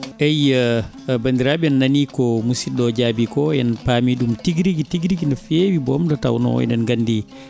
eyyi banndiraaɓe en nani ko musiɗɗo o jaabi ko en paami ɗum tiguiri gui tiguigui no fewi bom nde tawno eɗen gandi